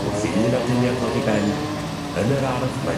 Wrth i un aduniad ddod i ben yn yr ardd mae...